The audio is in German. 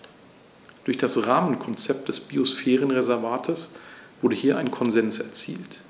Durch das Rahmenkonzept des Biosphärenreservates wurde hier ein Konsens erzielt.